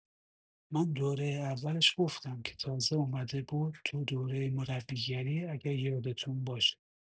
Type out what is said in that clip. من دوره اولش گفتم که تازه اومده بود تو دوره مربیگری اگر یادتون باشه